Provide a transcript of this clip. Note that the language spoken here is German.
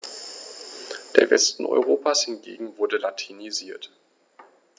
Der Westen Europas hingegen wurde latinisiert.